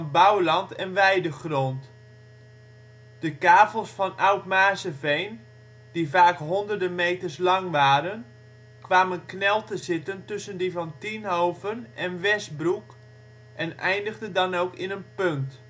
bouwland en weidegrond. De kavels van Oud Maarseveen, die vaak honderden meters lang waren, kwamen knel te zitten tussen die van Tienhoven en Westbroek en eindigde dan ook in een punt